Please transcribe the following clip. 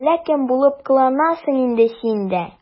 Әллә кем булып кыланасың инде син дә...